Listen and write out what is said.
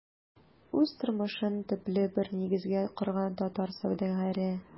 Үз тормышын төпле бер нигезгә корган татар сәүдәгәре.